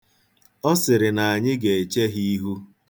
Ọ sịrị na anyị ga-eche ha ihu.